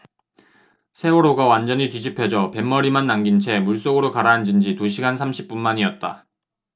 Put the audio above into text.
세월호가 완전히 뒤집혀져 뱃머리만 남긴 채 물속으로 가라앉은 지 두 시간 삼십 분 만이었다